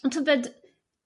Ond tybed